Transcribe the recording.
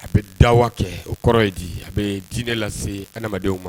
A bɛ dawa kɛ o kɔrɔ ye di a bɛ dinɛ lase adamadamadenw ma